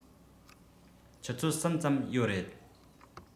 ཆུ ཚོད གསུམ ཙམ ཡོད རེད